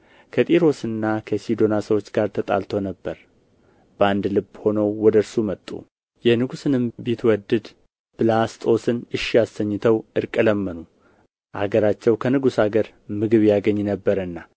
ከጢሮስና ከሲዶና ሰዎችም ጋር ተጣልቶ ነበር በአንድ ልብ ሆነውም ወደ እርሱ መጡ የንጉሥንም ቢትወደድ ብላስጦስን እሺ አሰኝተው ዕርቅ ለመኑ አገራቸው ከንጉሥ አገር ምግብ ያገኝ ነበረና